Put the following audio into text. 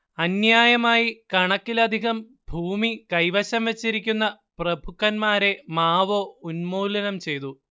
അന്യായമായി കണക്കിലധികം ഭൂമി കൈവശം വെച്ചിരിക്കുന്ന പ്രഭുക്കന്മാരെ മാവോ ഉന്മൂലനം ചെയ്തു